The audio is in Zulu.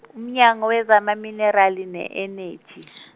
uMnyango wezamaMinerali ne-Eneji .